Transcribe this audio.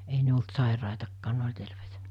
ei ne ollut sairaitakaan ne oli terveitä